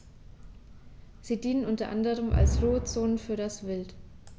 Sie dienen unter anderem als Ruhezonen für das Wild.